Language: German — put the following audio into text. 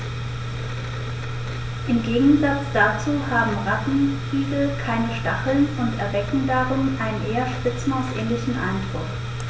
Im Gegensatz dazu haben Rattenigel keine Stacheln und erwecken darum einen eher Spitzmaus-ähnlichen Eindruck.